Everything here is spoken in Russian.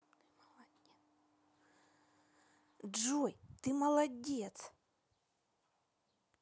джой ты молодец